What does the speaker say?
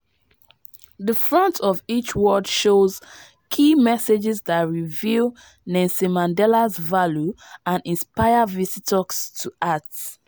The front of each word shows key messages that reveal Nelson Mandela’s values and inspire visitors to act.